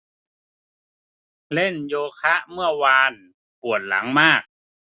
เล่นโยคะเมื่อวานปวดหลังมาก